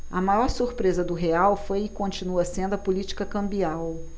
a maior surpresa do real foi e continua sendo a política cambial